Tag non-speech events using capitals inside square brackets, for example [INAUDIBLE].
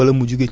[HESITATION] [HESITATION]